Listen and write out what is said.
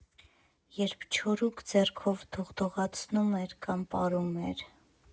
Երբ չորուկ ձեռքով դողդողացնում էր կամ պարում էր։